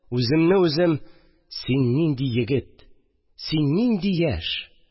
Үземне үзем: «син нинди егет, син нинди яшь